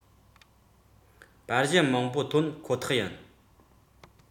དེ དག བྱུང བ དང གནད དོན དེ འདྲ ཞིག ཁོ ཐག རེད